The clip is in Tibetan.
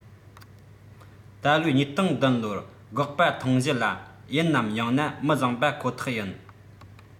ད ལོའི ༢༠༠༧ ལོར སྒོག པ ཐང གཞི ལ ཡིན ནམ ཡང ན མི བཟང པ ཁོ ཐག ཡིན